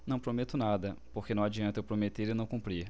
não prometo nada porque não adianta eu prometer e não cumprir